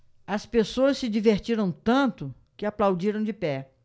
as pessoas se divertiram tanto que aplaudiram de pé